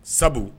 Sabu